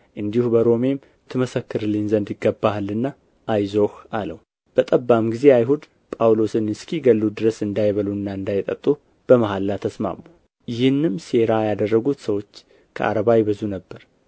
እንዲሁ በሮሜም ትመሰክርልኝ ዘንድ ይገባሃልና አይዞህ አለው በጠባም ጊዜ አይሁድ ጳውሎስን እስኪገድሉት ድረስ እንዳይበሉና እንዳይጠጡ በመሐላ ተስማሙ ይህንም ሴራ ያደረጉት ሰዎች ከአርባ ይበዙ ነበር